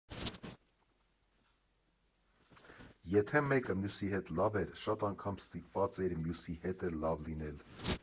Եթե մեկը մյուսի հետ լավ էր՝ շատ անգամ ստիպված էիր մյուսի հետ էլ լավ լինել։